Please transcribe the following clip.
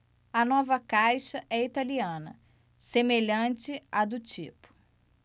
a nova caixa é italiana semelhante à do tipo